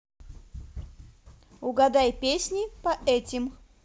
угадай песни по этим